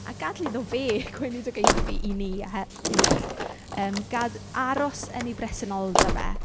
A gadael iddo fe gweinidogaethu i ni he- ni yym gadd- aros yn ei presenoldeb e.